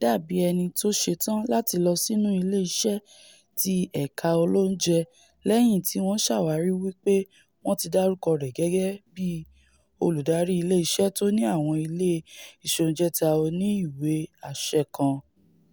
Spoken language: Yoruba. dábì ẹnitó ṣetán láti lọ sínú ilé iṣẹ́ ti ẹka olóúnjẹ lẹ́yìn tíwọ́n ṣàwárí wí pé wọ́n ti dárúkọ rẹ̀ gẹ́gẹ́bí olùdarí ile iṣẹ́ tóní àwọn ile ìsoúnjẹta oníìwé-àṣẹ kan.